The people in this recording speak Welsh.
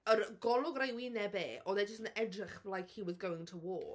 Yr golwg ar ei wyneb e, oedd e jyst yn edrych like he was going to war.